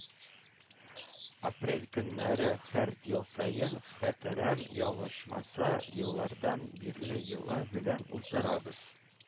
Апрель көнне һәр ел саен, хәтерем ялгышмаса, еллардан бирле йола белән уздырабыз